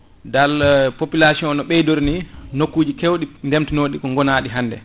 dal polpulation no beydori ni nokkuji kewɗi ndemtanoɗi ko gonaɗi hande